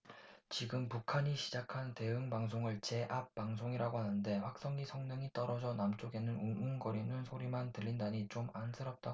지금 북한이 시작한 대응 방송을 제압방송이라고 하는데 확성기 성능이 떨어져 남쪽엔 웅웅거리는 소리만 들린다니 좀 안쓰럽다고 할까